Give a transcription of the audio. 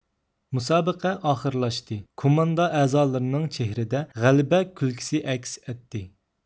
مۇسابىقە ئاخىرلاشتى كوماندا ئەزالىرىنىڭ چېھرىدە غەلىبە كۈلكىسى ئەكس ئەتتى